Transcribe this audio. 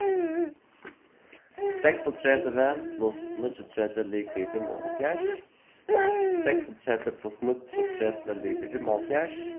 seksogtretivu pluss níggjuogtretivu ligvið fimmoghálvfjerðs seksogtretivu pluss níggjuogtretivu ligvið fimmoghálvfjerðs